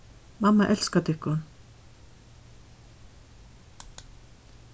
mamma elskar tykkum